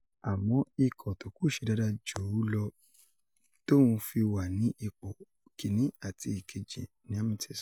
Àmọ́ ikọ̀ tó kù ṣe dáadáa jù ú lọ t’ọ́n fi wà ní ipò 1 àti 2,” ni Hamilton sọ.